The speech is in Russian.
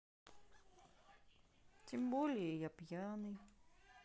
тем более я пьяный